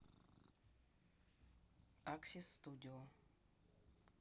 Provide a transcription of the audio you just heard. axis студио